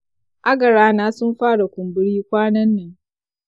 agarana sun fara kumburi kwanan nan.